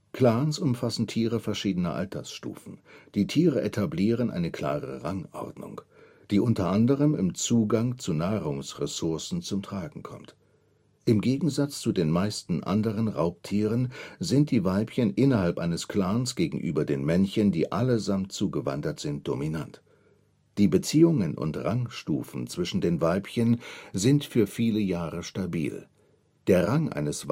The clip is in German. Clans umfassen Tiere verschiedener Altersstufen, die Tiere etablieren eine klare Rangordnung, die unter anderem im Zugang zu Nahrungsressourcen zum Tragen kommt. Im Gegensatz zu den meisten anderen Raubtieren sind die Weibchen innerhalb eines Clans gegenüber den Männchen, die allesamt zugewandert sind, dominant. Die Beziehungen und Rangstufen zwischen den Weibchen sind für viele Jahre stabil, der Rang eines